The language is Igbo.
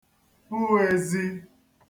pụ ezī